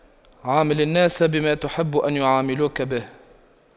عامل الناس بما تحب أن يعاملوك به